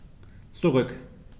Zurück.